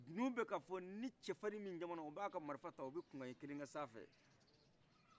dunu bɛ kanfɔ ni cɛfarin min jamana o b'aka marifa ta obi ka kunkan kelen wili sanfɛ